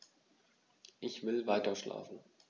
Ich will weiterschlafen.